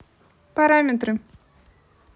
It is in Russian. параметры